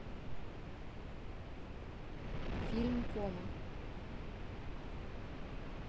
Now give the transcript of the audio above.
фильм кома